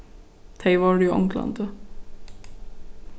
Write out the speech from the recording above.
tey vóru í onglandi